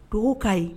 To ka ɲi